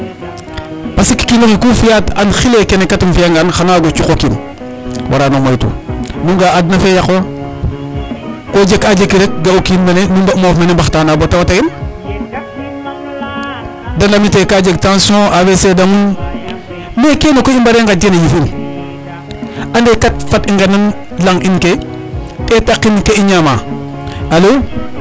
Parce que o kiin oxe ke o fi'aa and xile kene kat in fi'angaan xan a waago cuq o kiin warano moytu nu nga'a adna fe yaqwa ko jek a jeki rek ga o kiin mene nu moof mene mbaxtana bata wat o yen de ndamit ee ka jeg tension AVC damun mais kene koy i mbara nqaƴ teen a yiif in ande kat fat i nqendan lanq in ke ɗeetaqin ke i ñaamaa alo